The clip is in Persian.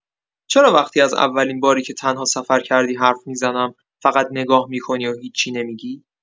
چرا وقتی از اولین باری که تنها سفر کردی حرف می‌زنم، فقط نگاه می‌کنی و هیچی نمی‌گی؟